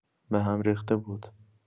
بهم ریخته بود.